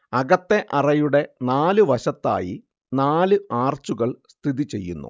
അകത്തേ അറയുടെ നാലു വശത്തായി നാലു ആർച്ചുകൾ സ്ഥിതി ചെയ്യുന്നു